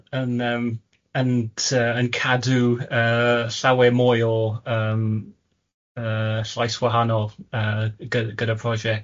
yn yym yn sy- yn cadw yy llawer mwy o yym yy llais wahanol yy gy- gyda'r prosiect